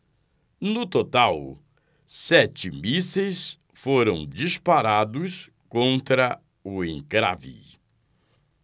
no total sete mísseis foram disparados contra o encrave